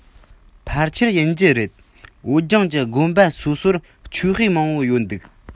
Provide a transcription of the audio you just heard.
ཕལ ཆེར ཡིན གྱི རེད བོད ལྗོངས ཀྱི དགོན པ སོ སོར ཆོས དཔེ མང པོ ཡོད འདུག